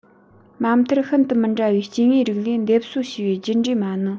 མ མཐར ཤིན ཏུ མི འདྲ བའི སྐྱེ དངོས རིགས ལས འདེབས གསོ བྱས པའི རྒྱུད འདྲེས མ ནི